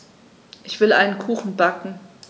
Ich will einen Kuchen backen.